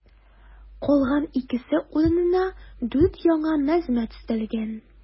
Калган икесе урынына дүрт яңа намзәт өстәлгән.